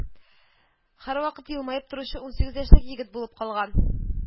Һәрвакыт елмаеп торучы унсигез яшьлек егет булып калган